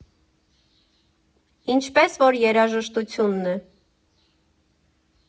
Ինչպես որ երաժշտությունն է.